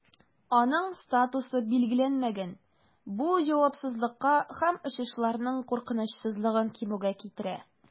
Аның статусы билгеләнмәгән, бу җавапсызлыкка һәм очышларның куркынычсызлыгын кимүгә китерә.